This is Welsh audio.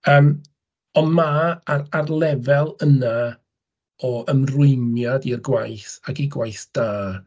Yym, ond ma', ar lefel yna, o ymrwymiad i'r gwaith ac i gwaith da.